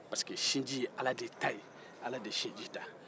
parce que sinji ye ale de ta y e ala de ye sinji da